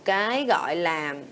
cái gọi là